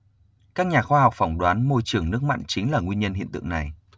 các nhà khoa học phỏng đoán môi trường nước mặn chính là nguyên nhân hiện tượng này